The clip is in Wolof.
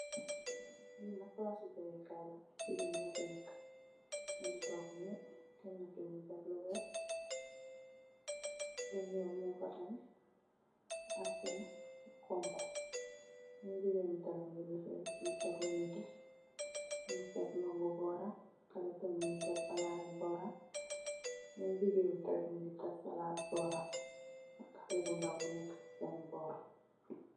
Li nak palaas su jaayekaay la, jigéen nyo fi nekka mungi toogu ni kenna ki mi def lu weeh, lu ñuul mung fa tamit ak tamit lu honku. Benen jigéen bi tamit mungi def lu nètè mungi tek mango boram, haley tamit mungi tekk palaat boram. Benen jigéen bi tamit mungi tekk salaat boram ak Haley bu ndaw bu nekka ci senn borr.